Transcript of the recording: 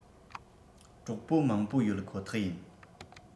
གྲོགས པོ མང པོ ཡོད ཁོ ཐག ཡིན